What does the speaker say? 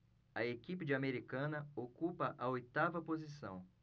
a equipe de americana ocupa a oitava posição